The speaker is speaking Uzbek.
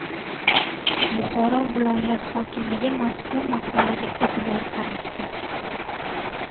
buxoro viloyat hokimligi mazkur maqolaga e'tibor qaratdi